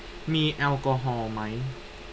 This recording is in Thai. มีแอลกอฮอล์ไหม